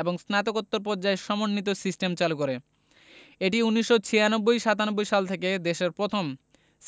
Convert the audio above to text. এবং স্নাতকোত্তর পর্যায়ে সমন্বিত সিস্টেম চালু করে এটি ১৯৯৬ ৯৭ সাল থেকে দেশের প্রথম